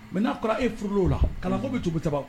Mɛ n'a kɔrɔ e furu o la kalanko bɛ cogo cɛba